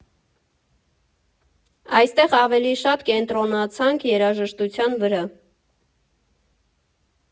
Այստեղ ավելի շատ կենտրոնացանք երաժշտության վրա։